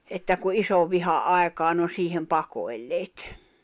että kun isonvihan aikaan ne on siihen pakoilleet